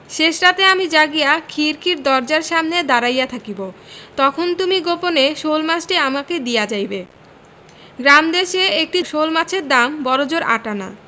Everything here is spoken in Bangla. শেষ রাতে আমি জাগিয়া খিড়কির দরজার সামনে দাঁড়াইয়া থাকিব তখন তুমি গোপনে শোলমাছটি আমাকে দিয়া যাইবে গ্রামদেশে একটি শোলমাছের দাম বড়জোর আট আনা